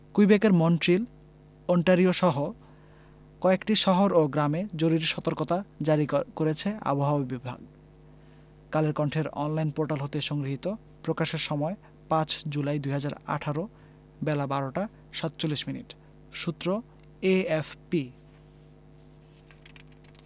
কুইবেকের মন্ট্রিল ওন্টারিওসহ কয়েকটি শহর ও গ্রামে জরুরি সতর্কতা জারি করেছে আবহাওয়া বিভাগ কালের কন্ঠের অনলাইন পোর্টাল হতে সংগৃহীত প্রকাশের সময় ৫ জুলাই ২০১৮ বেলা ১২টা ৪৭ মিনিট সূত্র এএফপি